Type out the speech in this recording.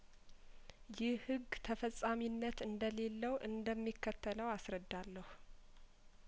ይህ ህግ ተፈጻሚነት እንደሌለው እንደሚከተለው አስረዳለሁ